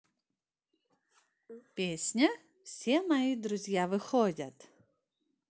песня все мои друзья выходят